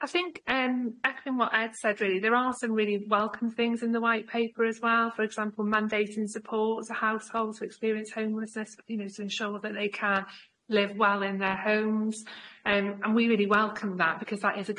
I think yym echoing what Ed said really there are some really welcome things in the white paper as well for example mandating support to households who experience homelessness you know to ensure that they can live well in their homes yym and we really welcome that because that is a